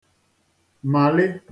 màlị